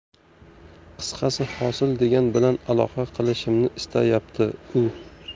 qisqasi hosil degan bilan aloqa qilishimni istayapti u